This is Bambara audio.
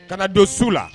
Ka na don su la